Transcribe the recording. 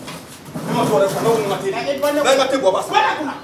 Kuma fɔra ɛ i bɔ ne kunna balimaya te buwaba sa bɔ ne kunna